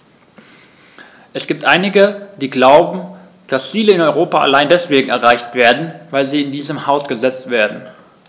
Es gibt einige, die glauben, dass Ziele in Europa allein deswegen erreicht werden, weil sie in diesem Haus gesetzt werden.